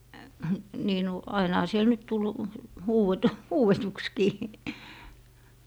niin nyt ainahan siellä nyt tuli - huudetuksikin